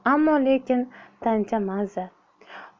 ammo lekin tancha mazza